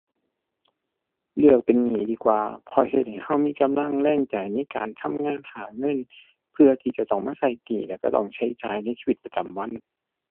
เลือกเป็นหนี้ดีกว่า เพราะเฮ็ดให้เรามีกำลังแรงใจในการทำงานหาเงิน เพื่อที่จะต้องมาเราหนี้และเราต้องเราจ่ายในชีวิตประจำวัน